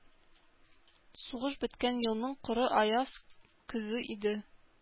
Сугыш беткән елның коры, аяз көзе иде.